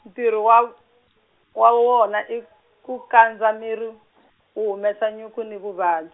ntirho wa , wa wona, i ku kandza miri , wu humesa nyuku ni vuvabyi.